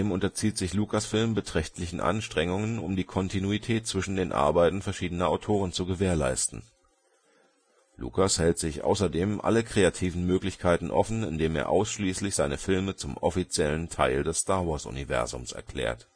unterzieht sich Lucasfilm beträchtlichen Anstrengungen, um die Kontinuität zwischen den Arbeiten verschiedener Autoren zu gewährleisten. Lucas hält sich außerdem alle kreativen Möglichkeiten offen, indem er ausschließlich seine Filme zum offiziellen Teil des Star-Wars-Universums erklärt